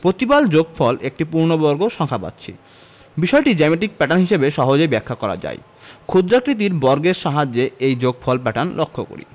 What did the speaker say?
প্রতিবার যোগফল একটি পূর্ণবর্গ সংখ্যা পাচ্ছি বিষয়টি জ্যামিতিক প্যাটার্ন হিসেবে সহজেই ব্যাখ্যা করা যায় ক্ষুদ্রাকৃতির বর্গের সাহায্যে এই যোগফল প্যাটার্ন লক্ষ করি